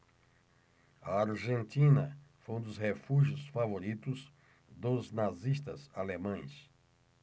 a argentina foi um dos refúgios favoritos dos nazistas alemães